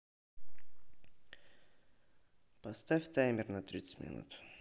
поставь таймер на тридцать минут